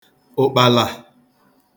ụ̀kpàlà